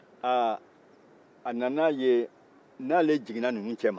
aa a nana ye n'ale jiginna ninnu cɛman